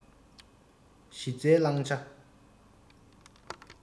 གཞི རྩའི བླང བྱ